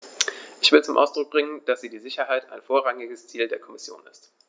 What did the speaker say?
Ich will zum Ausdruck bringen, dass die Sicherheit ein vorrangiges Ziel der Kommission ist.